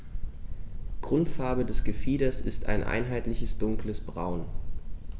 Grundfarbe des Gefieders ist ein einheitliches dunkles Braun.